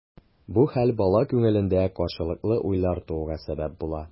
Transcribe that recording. Бу хәл бала күңелендә каршылыклы уйлар тууга сәбәп була.